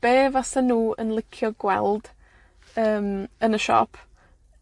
be fasan nw yn licio gweld yn yn y siop